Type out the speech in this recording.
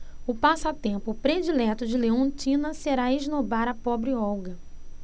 o passatempo predileto de leontina será esnobar a pobre olga